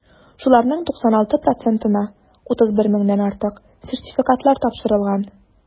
Шуларның 96 процентына (31 меңнән артык) сертификатлар тапшырылган.